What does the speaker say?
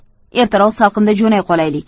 ertaroq salqinda jo'nay qolaylik